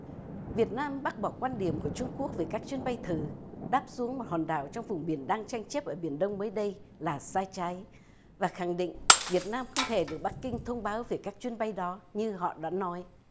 việt nam bác bỏ quan điểm của trung quốc về các chuyến bay thử đáp xuống một hòn đảo trong vùng biển đang tranh chấp ở biển đông mới đây là sai trái và khẳng định việt nam không thể được bắc kinh thông báo về các chuyến bay đó như họ đã nói